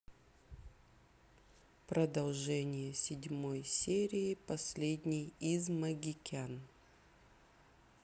продолжение седьмой серии последний из магикян